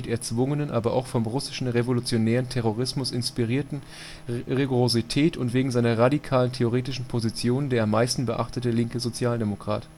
erzwungenen, aber auch vom russischen revolutionären Terrorismus inspirierten – Rigorosität und wegen seiner radikalen theoretischen Positionen der am meisten beachtete linke Sozialdemokrat